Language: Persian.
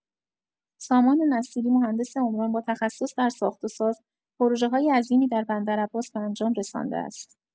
سامان نصیری، مهندس عمران با تخصص در ساخت‌وساز، پروژه‌های عظیمی در بندر عباس به انجام رسانده است.